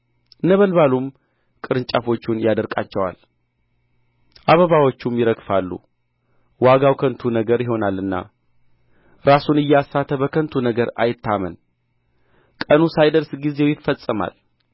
ነበልባሉም ቅርንጫፎቹን ያደርቃቸዋል አበባዎቹም ይረግፋሉ ዋጋው ከንቱ ነገር ይሆናልና ራሱን እያሳተ በከንቱ ነገር አይታመን ቀኑ ሳይደርስ ጊዜው ይፈጸማል